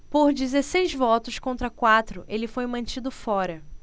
por dezesseis votos contra quatro ele foi mantido fora